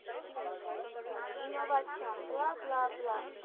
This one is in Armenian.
Իննովացիոն բլա բլա բլա։